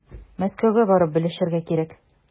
Мәскәүгә барып белешергә кирәк.